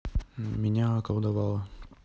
меня околдовала